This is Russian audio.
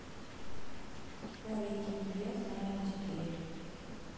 барыкин я знаю теперь